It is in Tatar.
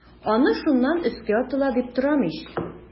Аны шуннан өскә атыла дип торам ич.